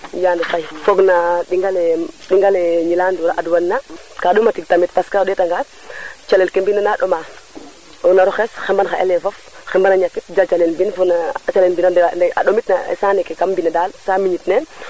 Yande Faye fog na ɗingale ɗingale Gnilane Ndour a adwan na ka ɗomna tig tamit parce que o ndeta ngan calel ke mbine na ɗoma o naro xes xemben xa éléve of xembana ñakit jal calel den